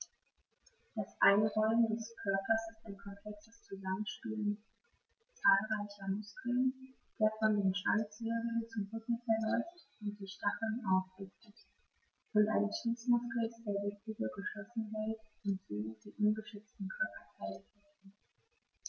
Das Einrollen des Körpers ist ein komplexes Zusammenspiel zahlreicher Muskeln, der von den Schwanzwirbeln zum Rücken verläuft und die Stacheln aufrichtet, und eines Schließmuskels, der die Kugel geschlossen hält und so die ungeschützten Körperteile verbirgt.